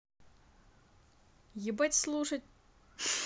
ебать слушать